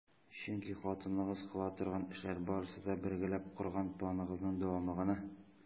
Чөнки хатыныгыз кыла торган эшләр барысы да - бергәләп корган планыгызның дәвамы гына!